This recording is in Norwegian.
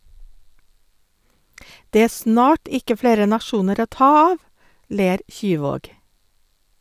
- Det er snart ikke flere nasjoner å ta av, ler Kyvåg.